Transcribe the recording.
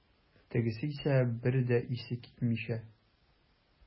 Тегесе исә, бер дә исе китмичә.